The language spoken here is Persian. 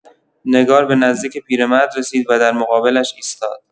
نگار به نزدیک پیرمرد رسید و در مقابلش ایستاد.